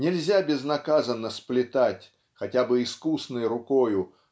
Нельзя безнаказанно сплетать хотя бы искусной рукою